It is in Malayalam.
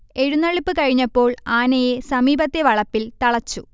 എഴുന്നള്ളിപ്പ് കഴിഞ്ഞപ്പോൾ ആനയെ സമീപത്തെ വളപ്പിൽ തളച്ചു